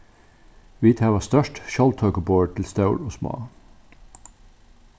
vit hava stórt sjálvtøkuborð til stór og smá